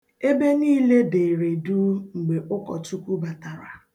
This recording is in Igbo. Ebe niile deere duu mgbe ụkọchukwu batara.